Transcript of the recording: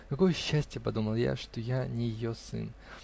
"Какое счастье, -- подумал я, -- что я не ее сын".